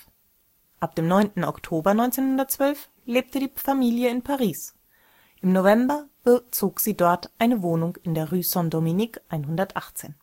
Ab dem 9. Oktober 1912 lebte die Familie in Paris. Im November bezogen sie dort eine Wohnung in der rue St. Dominique 118